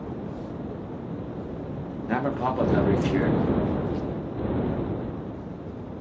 nær var pápadagur í fjør